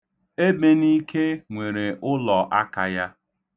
Emenike nwere ụlọ aka ya.